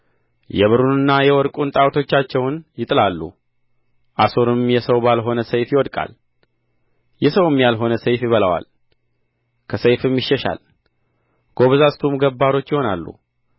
የብሩንና የወርቁን ጣዖቶቻቸውን ይጥላሉ አሦርም የሰው ባልሆነ ሰይፍ ይወድቃል የሰውም ያልሆነ ሰይፍ ይበላዋል ከሰይፍም ይሸሻሉ ጐበዛዝቱም ገባሮች ይሆናሉ